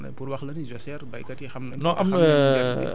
gis ni carrément ne pour wax la ni jachère baykat yi xam nañ